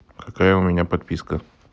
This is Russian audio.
какая у меня подписка